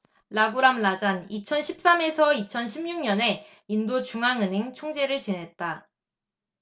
라구람 라잔 이천 십 삼 에서 이천 십 육 년에 인도 중앙은행 총재를 지냈다